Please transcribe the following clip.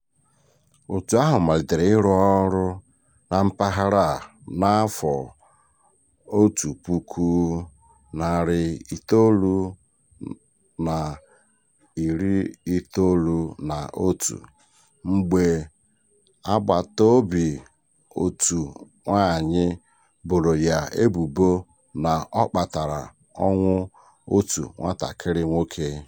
Otu ahụ malitere ịrụ ọrụ na mpaghara a na 1991 mgbe agbataobi otu nwaanyị boro ya ebubo na ọ kpatara ọnwụ otu nwatakịrị nwoke.